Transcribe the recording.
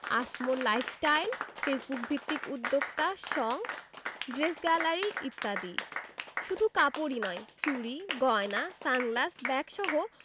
আসমোর lifestyle ফেসবুকভিত্তিক উদ্যোক্তা সঙ ড্রেস গ্যালারি ইত্যাদি শুধু কাপড়ই নয় চুড়ি গয়না সানগ্লাস ব্যাগসহ